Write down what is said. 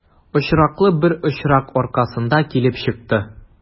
Очраклы бер очрак аркасында килеп чыкты.